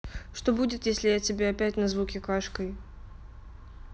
что будет если я тебя опять на звуки кашкой